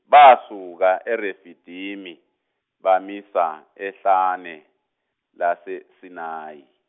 basuka eRefidimi, bamisa ehlane, laseSinayi.